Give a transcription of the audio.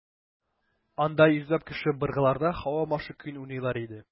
Анда йөзләп кеше быргыларда «Һава маршы» көен уйныйлар иде.